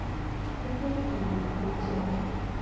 рыбалка в якутии